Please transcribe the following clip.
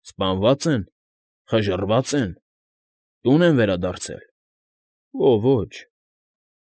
Սպանվա՞ծ են, խժռվա՞ծ են, տո՞ւն են վերադարձել։ ֊ Ո֊ո՜չ։